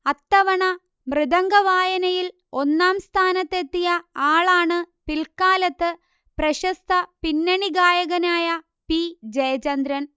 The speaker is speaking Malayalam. അത്തവണ മൃദംഗവായനയിൽ ഒന്നാം സ്ഥാനത്തെത്തിയ ആളാണ് പിൽക്കാലത്ത് പ്രശസ്ത പിന്നണി ഗായകനായ പി ജയചന്ദ്രൻ